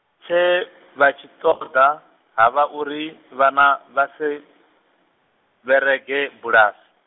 tshe, vha tshi ṱoḓa, ha vha uri, vhana, vhasi, vherege, bulasi.